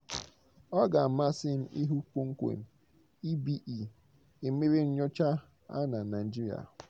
Ọ ga-amasị m ịhụ kpọmkwem EBE e mere nnyocha a na Naịjirịa.